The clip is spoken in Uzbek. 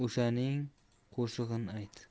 o'shaning qo'shig'ini ayt